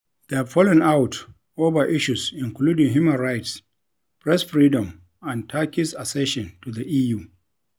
They've fallen out over issues including human rights, press freedom and Turkey's accession to the EU.